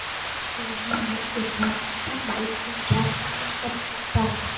cựu người mẫu việt nam trong thang máy nhìn ra khu trung tâm của tàu